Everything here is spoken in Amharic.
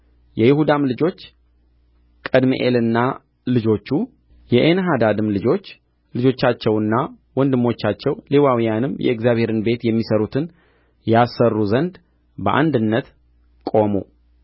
የይሁዳም ልጆች ቀድምኤልና ልጆቹ የኤንሐዳድም ልጆች ልጆቻቸውና ወንድሞቻቸው ሌዋውያንም የእግዚአብሔርን ቤት የሚሠሩትን ያሠሩ ዘንድ በአንድነት ቆሙ